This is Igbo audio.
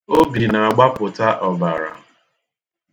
Obi na-agbapụta ọbara.